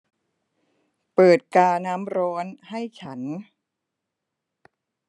เปิดกาน้ำร้อนให้ฉัน